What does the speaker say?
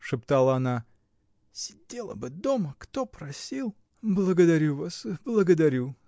— шептала она, — сидела бы дома — кто просил! — Благодарю вас, благодарю.